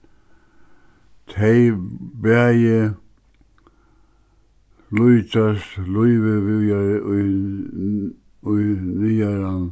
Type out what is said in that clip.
tey bæði líkjast lívið víðari í í